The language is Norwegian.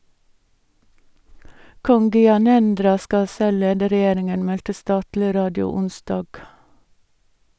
Kong Gyanendra skal selv lede regjeringen, meldte statlig radio onsdag.